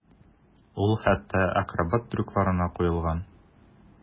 Ул хәтта акробат трюкларына куелган.